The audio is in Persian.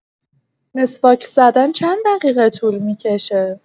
مسواک زدن چند دقیقه طول می‌کشه؟